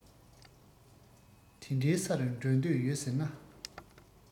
དེ འདྲའི ས རུ འགྲོ འདོད ཡོད ཟེར ན